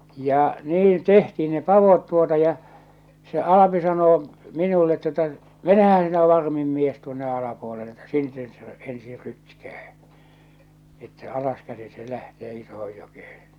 ja niin tehtiin ne padot tuota ja se Alpi sanoo minulle tuota menehän sinä varmin mies tuonne alapuolelle että - sen se ensin rytkää että alaskäsin se lähtee isoon jokeen